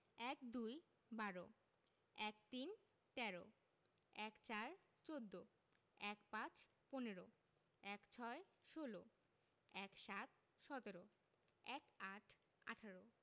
১২ বারো ১৩ তেরো ১৪ চৌদ্দ ১৫ পনেরো ১৬ ষোল ১৭ সতেরো ১৮ আঠারো